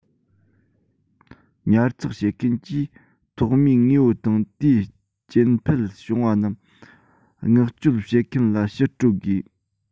ཉར ཚགས བྱེད མཁན གྱིས ཐོག མའི དངོས པོ དང དེའི སྐྱེད འཕེལ བྱུང བ རྣམས མངགས བཅོལ བྱེད མཁན ལ ཕྱིར སྤྲོད དགོས